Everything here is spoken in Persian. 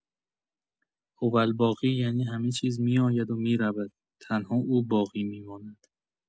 هوالباقی یعنی همه چیز می‌آید و می‌رود، تنها او باقی می‌ماند.